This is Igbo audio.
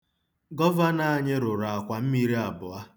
Gọvanọ anyị rụrụ akwammiri abụọ.